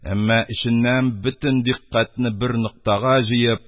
Әмма эченнән бөтен дикъкатене бер ноктага җыеп